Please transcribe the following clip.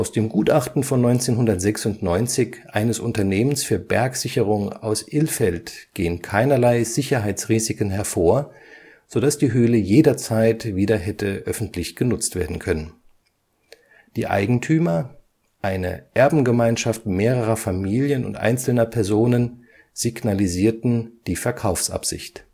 dem Gutachten von 1996 eines Unternehmens für Bergsicherung aus Ilfeld gehen keinerlei Sicherheitsrisiken hervor, so dass die Höhle jederzeit wieder hätte öffentlich genutzt werden können. Die Eigentümer, eine Erbengemeinschaft mehrerer Familien und einzelner Personen, signalisierten die Verkaufsabsicht